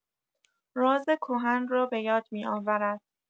راز کهن را بۀاد می‌آورد.